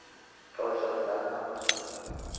choyshablarni almashtiring